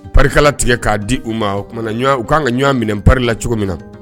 .Nparikala tigɛ k'a di u ma, o tuma na ɲɔ u kan ka ɲɔgɔn minɛ npari la cogo min na.